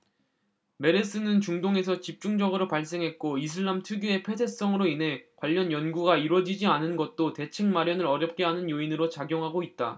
메르스는 중동에서 집중적으로 발생했고 이슬람 특유의 폐쇄성으로 인해 관련 연구가 이뤄지지 않은 것도 대책 마련을 어렵게 하는 요인으로 작용하고 있다